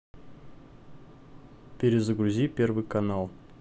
перезагрузи первый канал